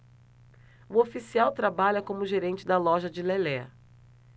o oficial trabalha como gerente da loja de lelé